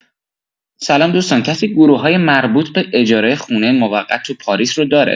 سلام دوستان کسی گروه‌های مربوط به اجاره خونه موقت تو پاریس و داره؟